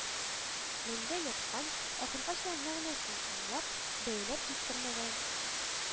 Лендә яткан, ахыргача мәгънәсен аңлап, бәяләп җиткермәгән